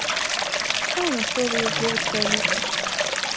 а у нас тоже есть девочка алиса